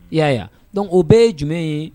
I y'a ya dɔn o bɛɛ ye jumɛn ye